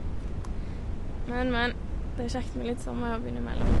Men, men, det er kjekt med litt sommerjobb innimellom.